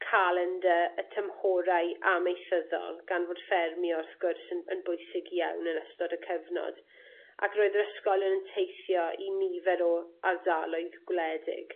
calendy y tymhorau amaethyddol gan fod ffermio wrth gwrs yn yn bwysig iawn yn ystod y cyfnod ac roedd yr ysgolion yn teithio i nifer o ardaloedd gwledig.